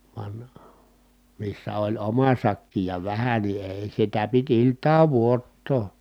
vaan missä oli oma sakki ja vähän niin ei sitä piti iltaan odottaa